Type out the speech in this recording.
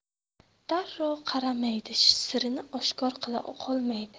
darrov qaramaydi sirini oshkor qila qolmaydi